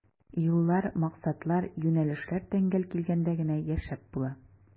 Юллар, максатлар, юнәлешләр тәңгәл килгәндә генә яшәп була.